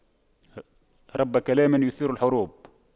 رب كلام يثير الحروب